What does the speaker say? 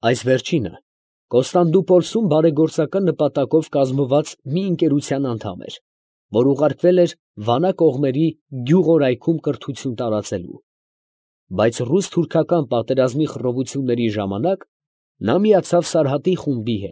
Այս վերջինը Կ. Պոլսում բարեգործական նպատակով կազմված մի ընկերության անդամ էր, որ ուղարկվել էր Վանա կողմերի գյուղորայքում կրթություն տարածելու, բայց ռուս֊թուրքական պատերազմի խռովությունների ժամանակ նա միացավ Սարհատի խումբի։